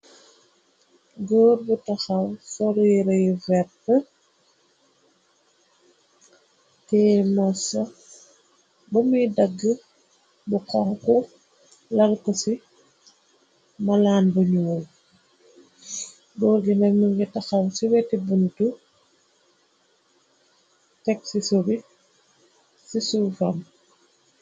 góor bu taxaw solu yirayi vert tee morso bamuy dagg bu xonqu lart ci malaan buñuwo ,góor gi nak mangi taxaw ci weti buntu texisobi ci su fam.